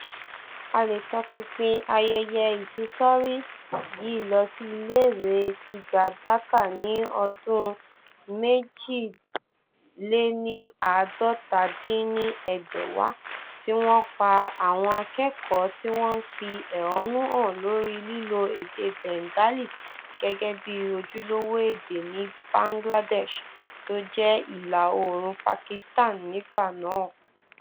A lè tọpinpin ayeye ìfisọrí yìí lọ sí iléèwé gíga Dhaka ní ọdún 1952 tí wọ́n pa àwọn akẹ́kọ̀ọ́ tí wọ́n ń fi èhónú han lóri lílo èdè Bengali gẹ́gẹ́ bi ojúlówó èdè ní Bangladesh ( tó jẹ́ ìlà oòrùn Pakistan nígbà náà)